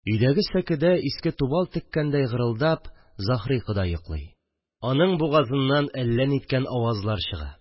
Өйдәге сәкедә иске тубал теккәндәй гырылдап Заһри кода йоклый, аның бугазыннан әллә ниткән авазлар чыга